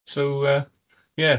So yy, ie.